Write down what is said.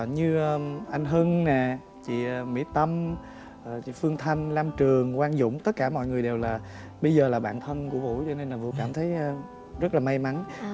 như anh hưng nè chị mỹ tâm chị phương thanh lam trường quang dũng tất cả mọi người đều là bây giờ là bạn thân của vũ cho nên là vũ cảm thấy rất là may mắn